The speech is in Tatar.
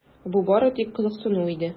Бу бары тик кызыксыну иде.